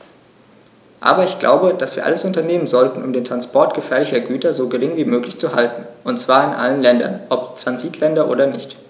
Aber ich glaube, dass wir alles unternehmen sollten, um den Transport gefährlicher Güter so gering wie möglich zu halten, und zwar in allen Ländern, ob Transitländer oder nicht.